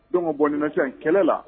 Donc, bon nin na sisan kɛlɛ la